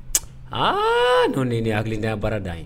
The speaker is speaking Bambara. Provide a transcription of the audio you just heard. Aa n'o tɛ nin ye hakilitaya baara da yet